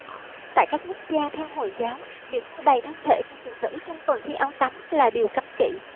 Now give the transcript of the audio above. tại các quốc gia theo hồi giáo việc phô bày thân thể của phụ nữ trong phần thi áo tắm là điều cấm kị